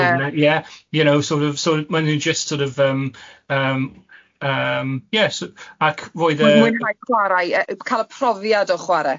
So ie you know sort of so mae'n nhw jyst sort of yym yym ie so ac roedd yy... Mwy mwy rhaid chwarae yy cael y profiad o chwarae.